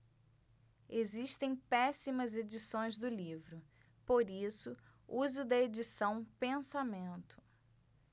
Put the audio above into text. existem péssimas edições do livro por isso use o da edição pensamento